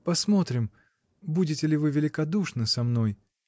Посмотрим — будете ли вы великодушны со мной.